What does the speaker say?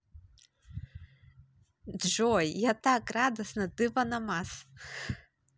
джой я так радостно ты ваномас